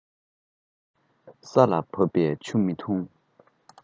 ཆར འདོད བྱེའུ སྐོམ ན ཡང